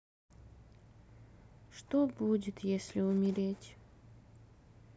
что будет если умереть